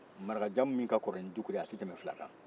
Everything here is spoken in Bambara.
maraka jamu min ka kɔrɔ ni dukure ye a tɛ tɛmɛ fila kan